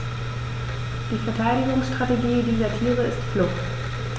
Die Verteidigungsstrategie dieser Tiere ist Flucht.